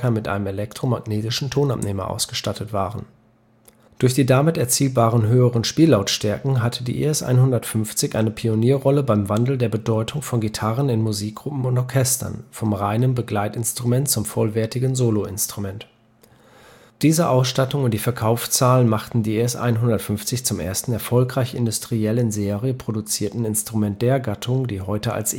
mit einem elektromagnetischen Tonabnehmer ausgestattet waren – für die Klangverstärkung über einen elektrischen Gitarrenverstärker. Durch die damit erzielbaren höheren Spiellautstärken hatte die ES-150 eine Pionierrolle beim Wandel der Bedeutung von Gitarren in Musikgruppen und Orchestern – vom reinen Begleitinstrument zum vollwertigen Soloinstrument. Diese Ausstattung und die Verkaufszahlen machten die ES-150 zum ersten erfolgreich industriell in Serie produzierten Instrument der Gattung, die heute als